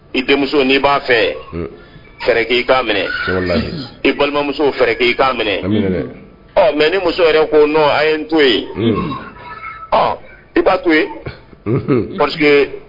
I denmuso n'i b'a fɛ fɛrɛɛrɛ k' i k'a minɛ i balimamuso fɛ k i k'a minɛ ɔ mɛ ni muso yɛrɛ ko n a ye n to yen ɔ i b'a to yen p